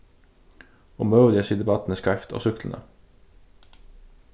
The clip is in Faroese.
og møguliga situr barnið skeivt á súkkluni